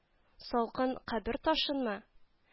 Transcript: — салкын кабер ташынмы